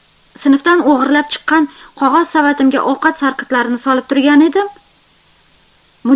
sinfdan o'g'irlab chiqqan qog'oz savatimga ovqat sarqitlarini solib turgan edim